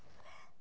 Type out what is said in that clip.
Be?